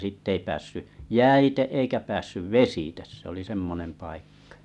sitten ei päässyt jäitse eikä päässyt vesitse se oli semmoinen paikka